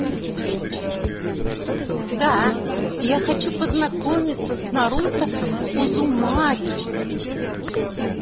да я хочу познакомиться с наруто узумаки